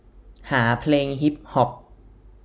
หาเพลงฮิปฮอป